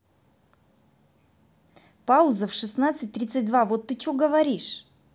пауза в шестнадцать тридцать два вот ты че говоришь